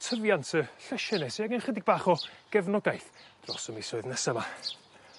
tyfiant y llysie 'ne sy angen chydig bach o gefnogaeth dros y misoedd nesa 'ma.